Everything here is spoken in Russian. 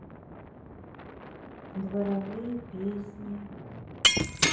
дворовые песни